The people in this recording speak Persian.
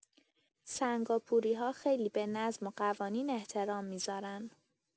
سنگاپوری‌ها خیلی به نظم و قوانین احترام می‌ذارن.